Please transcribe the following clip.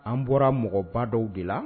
An bɔra mɔgɔba dɔw de la